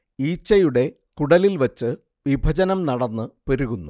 ഈച്ചയുടെ കുടലിൽ വച്ച് വിഭജനം നടന്ന് പെരുകുന്നു